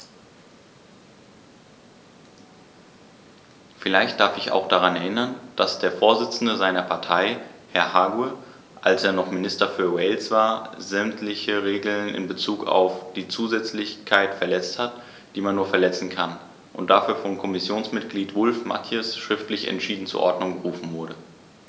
Vielleicht darf ich ihn auch daran erinnern, dass der Vorsitzende seiner Partei, Herr Hague, als er noch Minister für Wales war, sämtliche Regeln in bezug auf die Zusätzlichkeit verletzt hat, die man nur verletzen kann, und dafür von Kommissionsmitglied Wulf-Mathies schriftlich entschieden zur Ordnung gerufen wurde.